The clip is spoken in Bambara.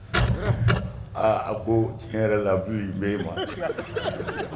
A ko tiɲɛ yɛrɛ la ye mɛn ma